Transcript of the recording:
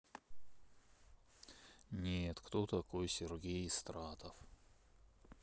нет кто такой сергей истратов